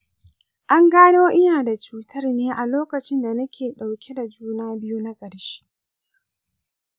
an gano ni da cutar ne a lokacin da nake ɗauke da juna biyu na ƙarshe.